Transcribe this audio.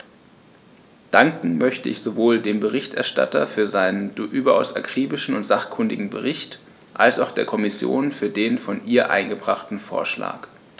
Danken möchte ich sowohl dem Berichterstatter für seinen überaus akribischen und sachkundigen Bericht als auch der Kommission für den von ihr eingebrachten Vorschlag.